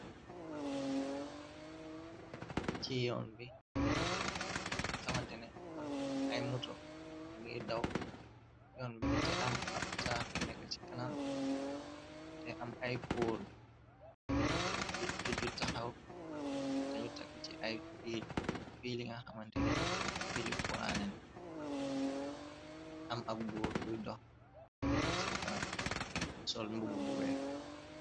Ci yoon bi xamantene ay muto lu ngir daw yon bi. Te am ab taax bu nekk ci kanam te am ay pol yu taxaw. Te nu takk ci ayfiili nga xamantene fili koraanen. Am ab góor buy dox ci kanam sol mbubu bu weex.